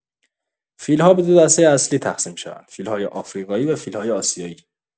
فیل‌ها به دو دسته اصلی تقسیم می‌شوند: فیل‌های آفریقایی و فیل‌های آسیایی.